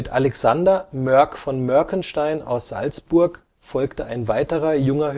Alexander Mörk von Mörkenstein aus Salzburg folgte ein weiterer junger